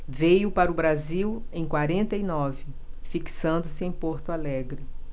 veio para o brasil em quarenta e nove fixando-se em porto alegre